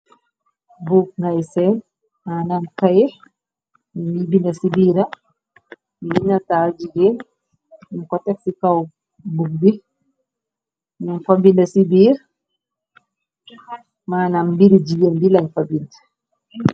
buk ngay see manam xey ngi bina ci biira mi nataa jigéen nun ko tex ci kaw buk bi ñon fa binda ci biir manam mbiri jigéen bi lañ fa bind.